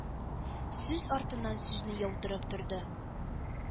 Сүз артыннан сүзне яудырып торды,